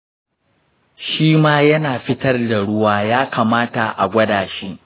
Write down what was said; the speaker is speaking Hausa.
shima yana fitar da ruwa; yakamata a gwada shi?